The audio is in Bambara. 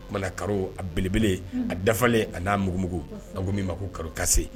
O kuma na karo a belebele a dafalen a na mugu mugu nan ko min ma karo kasse